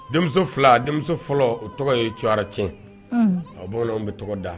Denmuso fila denmuso fɔlɔ o tɔgɔ ye c tiɲɛ bamananw bɛ tɔgɔ da